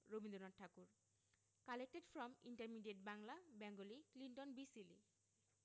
Rabindranath Tagore collected from intermediate Bangla Bengali Clinton B Seely